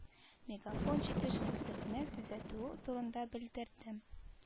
Мегафон җитешсезлекне төзәтүе турында белдерде